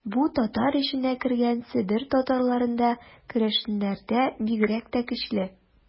Бу татар эченә кергән Себер татарларында, керәшеннәрдә бигрәк тә көчле.